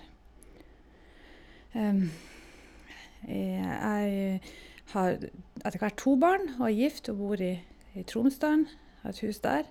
Jeg har etter hvert to barn og er gift og bor i i Tromsdalen, har et hus der.